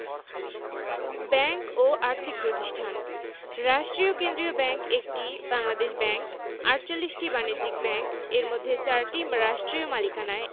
bank ও আর্থিক প্রতিষ্ঠানঃ রাষ্ট্রীয় কেন্দ্রীয় ব্যাংক ১টি বাংলাদেশ ব্যাংক ৪৮টি বাণিজ্যিক ব্যাংক এর মধ্যে ৪টি রাষ্ট্রীয় মালিকানায়